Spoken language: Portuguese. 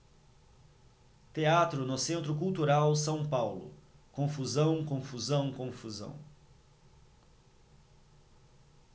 teatro no centro cultural são paulo confusão confusão confusão